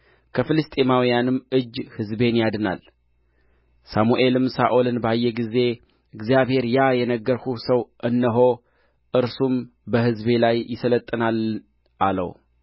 ከፍልስጥኤማውያንም እጅ ሕዝቤን ያድናል ሳሙኤልም ሳኦልን ባየ ጊዜ እግዚአብሔር ያ የነገርሁህ ሰው እነሆ እርሱም በሕዝቤ ላይ ይሠለጥናል አለው